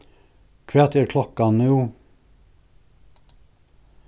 hvat er klokkan nú